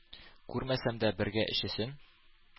Күрмәсәм дә бергә өчесен,